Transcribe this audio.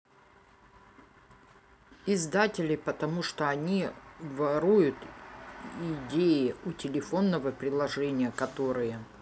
издателей потому что они воруют идеи у телефонного приложения которые